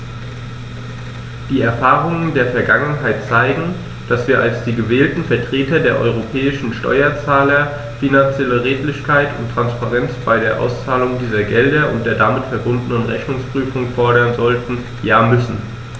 Die Erfahrungen der Vergangenheit zeigen, dass wir als die gewählten Vertreter der europäischen Steuerzahler finanzielle Redlichkeit und Transparenz bei der Auszahlung dieser Gelder und der damit verbundenen Rechnungsprüfung fordern sollten, ja müssen.